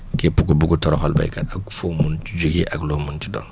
képp ku bugg a toroxal béykat ak ku foo munti jugee ak loo munti doon